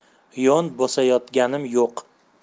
yon bosayotganim yo'q